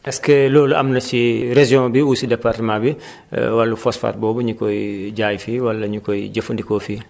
est ce que loolu am na ci région bi ou si département bi wala phosphate boobu ñu koy jaay fii wala ñu koy jëfandikoo fii